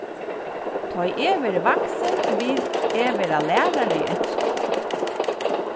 tá ið eg verði vaksin vil eg vera lærari í enskum